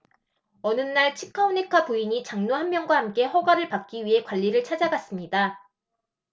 어느 날 치카오네카 부인이 장로 한 명과 함께 허가를 받기 위해 관리를 찾아갔습니다